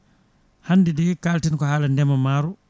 hande nde kalten ko haala ndeema maaro